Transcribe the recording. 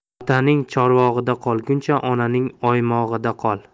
otangning chorvog'ida qolguncha onangning o'ymog'ida qol